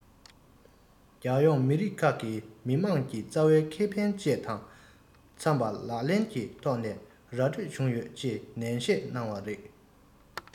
རྒྱལ ཡོངས མི རིགས ཁག གི མི དམངས ཀྱི རྩ བའི ཁེ ཕན བཅས དང འཚམས པ ལག ལེན གྱི ཐོག ནས ར འཕྲོད བྱུང ཡོད ཅེས ནན བཤད གནང བ རེད